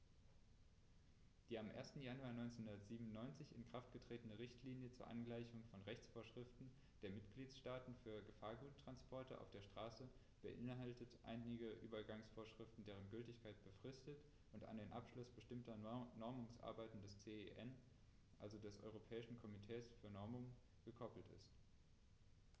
Die am 1. Januar 1997 in Kraft getretene Richtlinie zur Angleichung von Rechtsvorschriften der Mitgliedstaaten für Gefahrguttransporte auf der Straße beinhaltet einige Übergangsvorschriften, deren Gültigkeit befristet und an den Abschluss bestimmter Normungsarbeiten des CEN, also des Europäischen Komitees für Normung, gekoppelt ist.